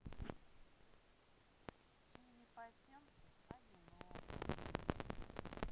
тиви патента одиноко